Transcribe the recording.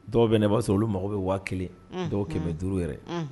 Dɔw bɛ ne b'a sɔrɔ olu mago bɛ waati kelen dɔw kɛmɛ duuru yɛrɛ